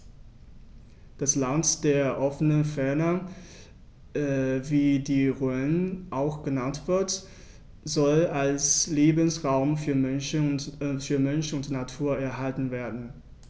Das „Land der offenen Fernen“, wie die Rhön auch genannt wird, soll als Lebensraum für Mensch und Natur erhalten werden.